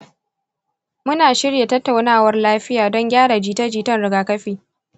muna shirya tattaunawar lafiya don gyara jita-jitan rigakafi.